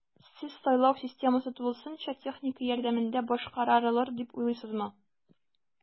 Сез сайлау системасы тулысынча техника ярдәмендә башкарарылыр дип уйлыйсызмы?